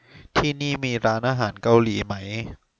ที่นี่มีร้านอาหารเกาหลีไหม